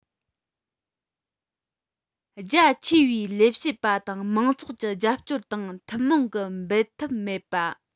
རྒྱ ཆེའི ལས བྱེད པ དང མང ཚོགས ཀྱི རྒྱབ སྐྱོར དང ཐུན མོང གི འབད འཐབ མེད པ